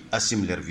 A sigilenri